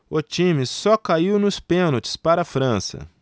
o time só caiu nos pênaltis para a frança